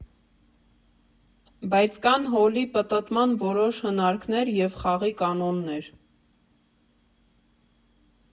Բայց կան հոլի պտտման որոշ հնարքներ և խաղի կանոններ։